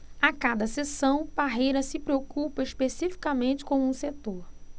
a cada sessão parreira se preocupa especificamente com um setor